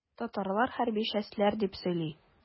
Татарлар хәрби чәстләр дип сөйли.